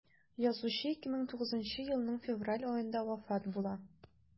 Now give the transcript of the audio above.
Язучы 2009 елның февраль аенда вафат була.